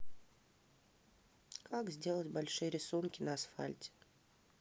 как сделать большие рисунки на асфальте